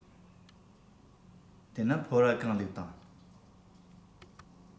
དེ ན ཕོར བ གང བླུགས དང